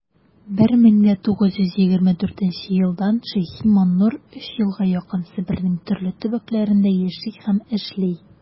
1924 елдан ш.маннур өч елга якын себернең төрле төбәкләрендә яши һәм эшли.